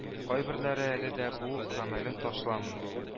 Кайберләре әле дә бу гамәлен ташламый